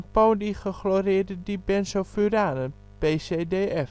Polygechloreerde dibenzofuranen (PCDF). De 17